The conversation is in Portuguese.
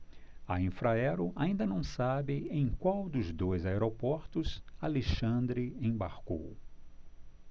a infraero ainda não sabe em qual dos dois aeroportos alexandre embarcou